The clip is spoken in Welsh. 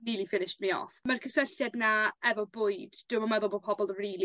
nearly finished me off. Ma'r cysylltiad 'na efo bwyd dwi'm yn meddwl bo' pobl rili